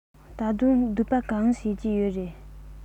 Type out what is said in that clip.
ད དུང སྡུག པ གང བྱེད ཀྱི ཡོད རས